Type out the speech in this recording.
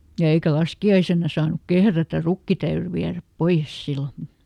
ja eikä laskiaisena saanut kehrätä rukki täytyi viedä pois silloin